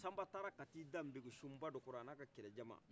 samba taara ka t' i da npekusunba dɔ kɔrɔ a ni a ka kɛlɛkɛjama